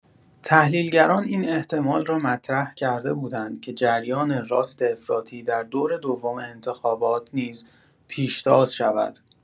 تحلیلگران این احتمال را مطرح کرده بودند که جریان راست افراطی در دور دوم انتخابات نیز پیشتاز شود.